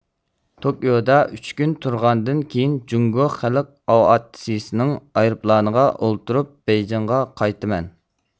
توكيودا ئۈچ كۈن تۇرغاندىن كېيىن جۇڭگو خەلق ئاۋىئاتسىيىسىنىڭ ئايروپىلانىغا ئولتۇرۇپ بېيجىڭغا قايتىمەن